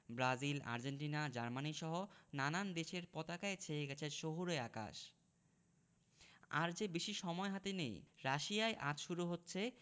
Brazil Argentina জার্মানিসহ নানান দেশের পতাকায় ছেয়ে গেছে শহুরে আকাশ আর যে বেশি সময় হাতে নেই রাশিয়ায় আজ শুরু হচ্ছে